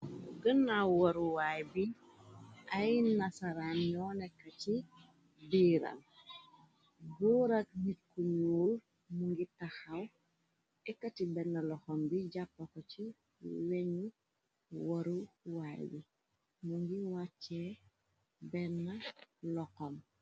Gënnaw waruwaay bi ay nasaraan ñooneka ci biiram dóorak nit ku wuul mu ngi taxaw ekati benn loxom bi jàppa ko ci weñu waruwaay bi mu ngi wàccee benn loxom.